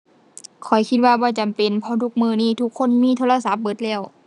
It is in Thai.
ข้อยคิดว่าบ่จำเป็น เพราะว่าทุกมื้อนี้ทุกคนมีโทรศัพท์เบิดแล้ว